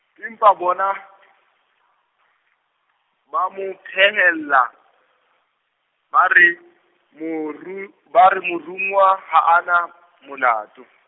empa bona , ba mo phehella, ba re, moro-, ba re moromuwa ha a na, molato.